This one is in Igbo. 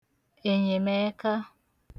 ènyèmẹka